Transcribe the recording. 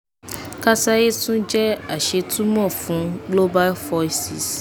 Kassaye tún jẹ́ aṣètumọ̀ fún Global Voices.